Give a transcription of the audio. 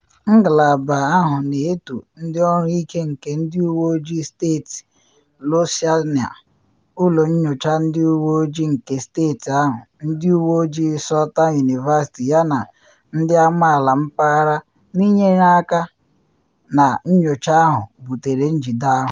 Ngalaba ahụ na eto ndị ọrụ ike nke Ndị Uwe Ojii Steeti Louisiana, ụlọ nyocha ndị uwe ojii nke steeti ahụ, ndị uwe ojii Southern University yana ndị amaala mpaghara n’ịnyere aka na nnyocha ahụ butere njide ahụ.